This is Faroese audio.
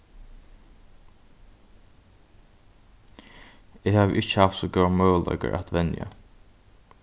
eg havi ikki havt so góðar møguleikar at venja